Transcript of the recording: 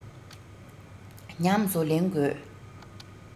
ཉམས སུ ལེན དགོས